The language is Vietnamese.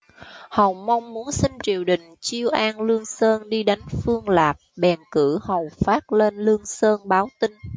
hầu mông muốn xin triều đình chiêu an lương sơn đi đánh phương lạp bèn cử hầu phát lên lương sơn báo tin